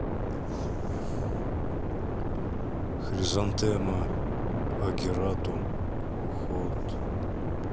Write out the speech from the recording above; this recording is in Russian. хризантема агератум уход